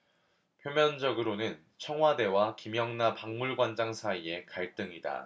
표면적으로는 청와대와 김영나 박물관장 사이의 갈등이다